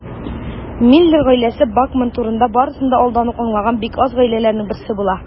Миллер гаиләсе Бакман турында барысын да алдан ук аңлаган бик аз гаиләләрнең берсе була.